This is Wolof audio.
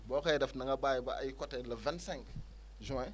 boo koy de'f na nga bàyyi ba ay côté le vingt cinq juin